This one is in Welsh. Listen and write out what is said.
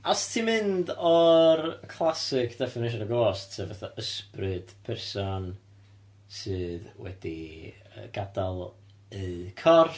Os ti'n mynd o'r classic definition o ghost, sef fatha, ysbryd person sydd wedi gadael eu corff.